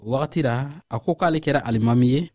o wagati la a ko k'ale kɛra alimami ye